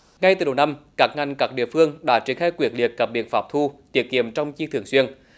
ngay từ đầu năm các ngành các địa phương đã triển khai quyết liệt các biện pháp thu tiết kiệm trong chi thường xuyên